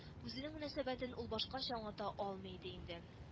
Үзенең мөнәсәбәтен ул башкача аңлата алмый иде инде